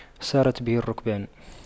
سارت به الرُّكْبانُ